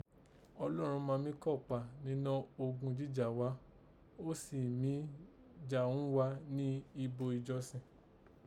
Ọlọ́run máa mí kópá ninọ́ ogun jíjà ghá, ó sì mí jà ghún gha ni ibo ìjọsìn